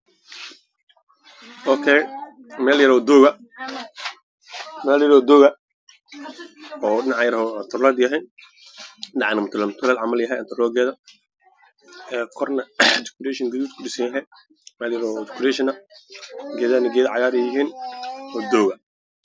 Meeshan oo mel yar oo dooga dhinacna darbi yahay dhinac mutulay yahay waana meel qurxin